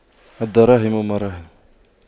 الدراهم مراهم